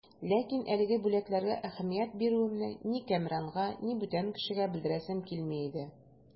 Ләкин әлеге бүләкләргә әһәмият бирүемне ни Кәмранга, ни бүтән кешегә белдерәсем килми иде.